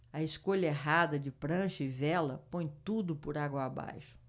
a escolha errada de prancha e vela põe tudo por água abaixo